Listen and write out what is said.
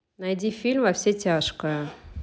найди фильм во все тяжкое